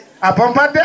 a pompat de